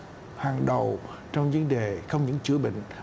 hàng đầu trong vấn đề không những chữa bệnh